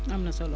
am na solo